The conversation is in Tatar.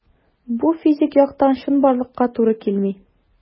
Бу физик яктан чынбарлыкка туры килми.